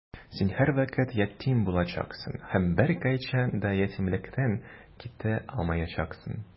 Син һәрвакыт ятим булачаксың һәм беркайчан да ятимлектән китә алмаячаксың.